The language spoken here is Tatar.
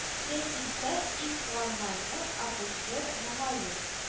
Җәй килсә иң куанганы апуштыр мөгаен